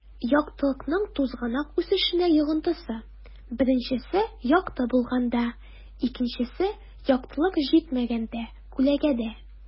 Яктылыкның тузганак үсешенә йогынтысы: 1 - якты булганда; 2 - яктылык җитмәгәндә (күләгәдә)